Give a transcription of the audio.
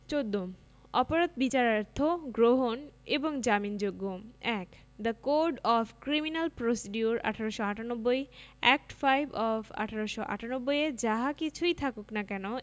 ১৪ অপরাধ বিচারার্থ গ্রহণ এবং জামিনযোগ্যঃ ১ the code of criminal procedure ১৮৯৮ act five of ১৮৯৮ এ যাহা কিছুই থাকুক না কেন